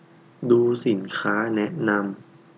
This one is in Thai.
ดูสินค้าแนะนำ